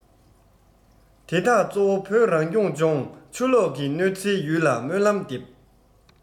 དེ དག གཙོ བོ བོད རང སྐྱོང ལྗོངས ཆུ ལོག གི གནོད འཚེའི ཡུལ ལ སྨོན ལམ འདེབས